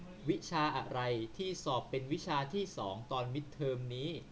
วิชาอะไรที่สอบเป็นวิชาที่สองตอนมิดเทอมนี้